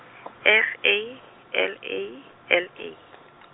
S A, L A, L A.